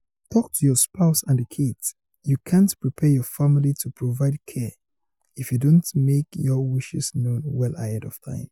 Talk to your spouse and the kids: You can't prepare your family to provide care if you don't make your wishes known well ahead of time.